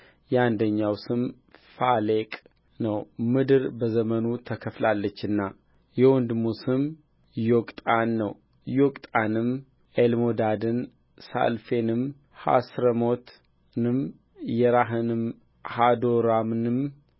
የአንደኛው ስሙ ፋሌቅ ነው ምድር በዘመኑ ተከፍላለችና የወንድሙም ስም ዮቅጣን ነው ዮቅጣንም ኤልሞዳድን ሣሌፍንም ሐስረሞትንም ራሕንም ሀዶራምንም